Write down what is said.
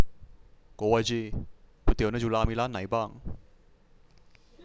โกวาจีก๋วยเตี๋ยวในจุฬามีร้านไหนบ้าง